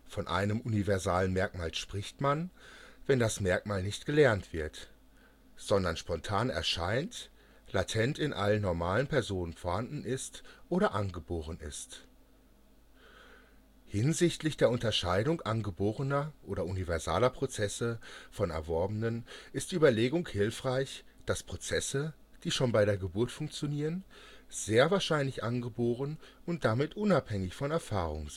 Von einem universalen Merkmal spricht man, wenn das Merkmal nicht gelernt wird, sondern spontan erscheint, latent in allen normalen Personen vorhanden ist, angeboren ist (Dissanayake, 2001). Hinsichtlich der Unterscheidung angeborener oder universaler Prozesse von erworbenen ist die Überlegung hilfreich, dass Prozesse, die schon bei der Geburt funktionieren, sehr wahrscheinlich angeboren und damit unabhängig von Erfahrungen